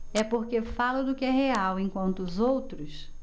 é porque falo do que é real enquanto os outros